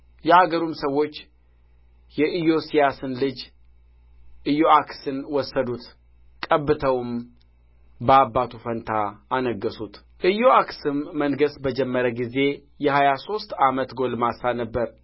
የአገሩም ሰዎች የኢዮስያስን ልጅ ኢዮአክስን ወሰዱት ቀብተውም በአባቱ ፋንታ አነገሡት ኢዮአክስም መንገሥ በጀመረ ጊዜ የሀያ ሦስት ዓመት ጕልማሳ ነበረ